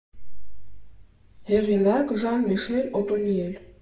Հեղինակ՝ Ժան֊Միշել Օտոնիել։